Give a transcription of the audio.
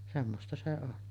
semmoista se on